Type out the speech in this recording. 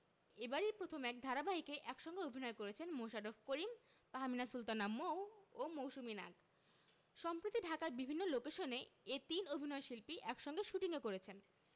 এবারই প্রথম এক ধারাবাহিকে একসঙ্গে অভিনয় করছেন মোশাররফ করিম তাহমিনা সুলতানা মৌ ও মৌসুমী নাগ সম্প্রতি ঢাকার বিভিন্ন লোকেশনে এ তিন অভিনয়শিল্পী একসঙ্গে শুটিংও করেছেন